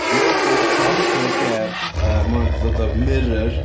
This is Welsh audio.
Robocop efo k, yy, ma' hwnna 'di dod o'r Mirror.